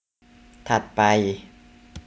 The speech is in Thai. ถัดไป